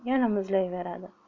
yana muzlayveradi